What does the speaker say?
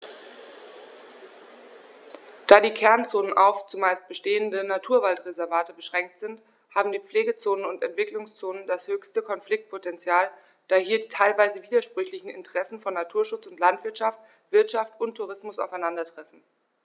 Da die Kernzonen auf – zumeist bestehende – Naturwaldreservate beschränkt sind, haben die Pflegezonen und Entwicklungszonen das höchste Konfliktpotential, da hier die teilweise widersprüchlichen Interessen von Naturschutz und Landwirtschaft, Wirtschaft und Tourismus aufeinandertreffen.